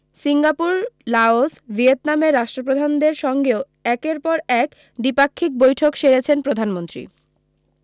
Singapore Laos ভিয়েতনামের রাষ্ট্রপ্রধানদের সঙ্গেও একের পর এক দ্বিপাক্ষিক বৈঠক সেরেছেন প্রধানমন্ত্রী